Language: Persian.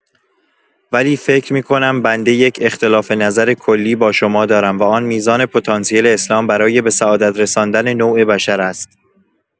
ولی فکر می‌کنم بنده یک اختلاف‌نظر کلی با شما دارم و آن میزان پتانسیل اسلام برای به سعادت رساندن نوع بشر است.